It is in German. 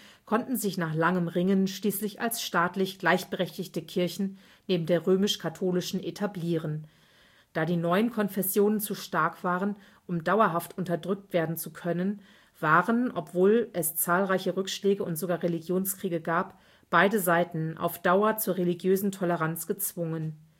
konnten sich nach langem Ringen schließlich als staatlich gleichberechtigte Kirchen neben der römisch-katholischen etablieren. Da die neuen Konfessionen zu stark waren, um dauerhaft unterdrückt werden zu können, waren, obwohl es zahlreiche Rückschläge und sogar Religionskriege gab, beide Seiten auf Dauer zur religiösen Toleranz gezwungen